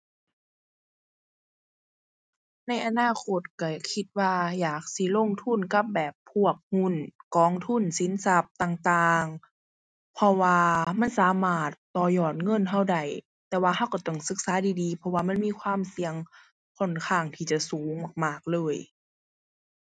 ในอนาคตก็คิดว่าอยากสิลงทุนกับแบบพวกหุ้น กองทุน สินทรัพย์ต่างต่าง เพราะว่ามันสามารถต่อยอดเงินก็ได้ แต่ว่าก็ก็ต้องศึกษาดีดี เพราะว่ามันมีความเสี่ยงค่อนข้างที่จะสูงมากมากเลย